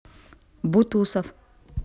бутусов